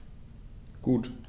Gut.